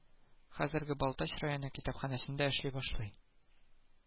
Хәзерге балтач районы китапханәсендә эшли башлый